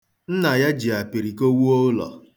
Nna ya ji apiriko wuo ụlọ.